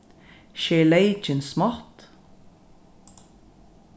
sker leykin smátt